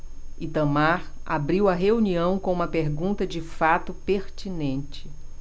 itamar abriu a reunião com uma pergunta de fato pertinente